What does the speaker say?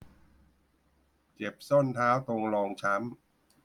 เจ็บส้นเท้าตรงรองช้ำ